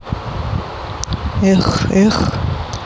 yeah yeah